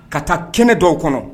Ka taa kɛnɛ dɔw kɔnɔ